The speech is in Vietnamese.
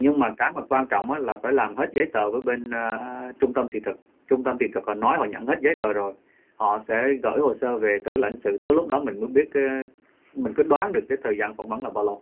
nhưng mà cái quan trọng là phải làm hết giấy tờ với bên trung tâm thì thực trung tâm thì thực họ nói họ nhận hết giấy tờ rồi họ sẽ gởi hồ sơ về tới lãnh sự tới lúc đó mình mới biết cơ mình có đoán được cái thời gian phỏng vấn là bao lâu